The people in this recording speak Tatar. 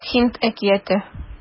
Һинд әкияте